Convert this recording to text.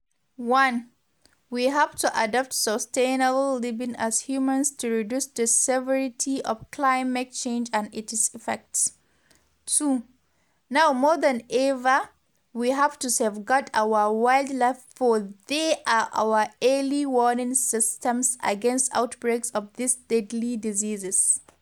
“One, we have to adopt sustainable living as humans to reduce the severity of climate change and its effects; two, now more than ever, we have to safeguard our wildlife for they are our early warning systems against outbreaks of these deadly diseases.”